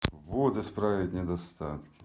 вот исправить недостатки